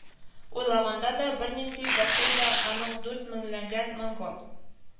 Уйлаганда да, бернинди батый да, аның дүрт меңләгән монгол